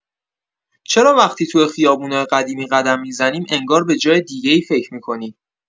چرا وقتی توی خیابونای قدیمی قدم می‌زنیم، انگار به‌جای دیگه‌ای فکر می‌کنی؟